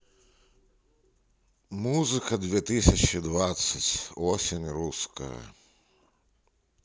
музыка две тысячи двадцать осень русская